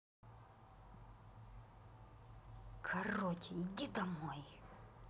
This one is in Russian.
короче иди домой